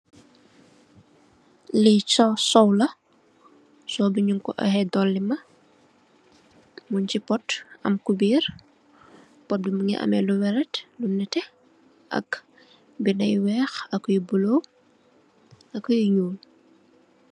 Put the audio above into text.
Li sow soow la, soow bi mung koy oyeah dolima, mung chi pot am cubèr. Pot bi mungi ameh lu vert, lu nètè ak binda yu weeh ak yu bulo ak yu ñuul.